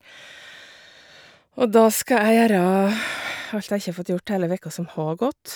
Og da skal jeg gjøre alt jeg ikke fått gjort hele vekka som har gått.